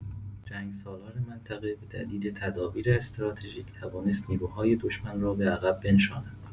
جنگ‌سالار منطقه به دلیل تدابیر استراتژیک توانست نیروهای دشمن را به‌عقب بنشاند.